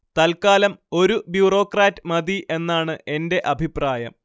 തല്‍ക്കാലം ഒരു ബ്യൂറോക്രാറ്റ് മതി എന്നാണ് എന്റെ അഭിപ്രായം